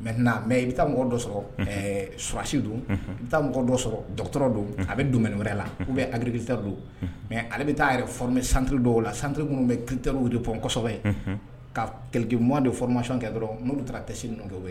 Maintenant mais i bɛ taa mɔgɔ dɔ sɔrɔ sɔrɔsi do i bɛ taa mɔgɔ dɔ sɔrɔ dɔgɔtɔrɔ do a bɛ domaine wɛrɛ la ou bien agriculteur do mais a bɛ taa a yɛrɛ formé centre dɔw la centre minnu bɛ critère repond kosɛbɛ ka qquelques mois de formation kɛ dɔrɔn n'ulu taara test in